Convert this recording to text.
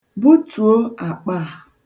Butuo akpa a.